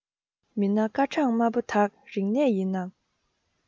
མིན ན སྐར གྲངས དམར པོ དག རིག གནས ཡིན ནམ